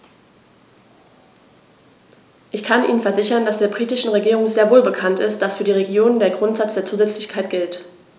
Ich kann Ihnen versichern, dass der britischen Regierung sehr wohl bekannt ist, dass für die Regionen der Grundsatz der Zusätzlichkeit gilt.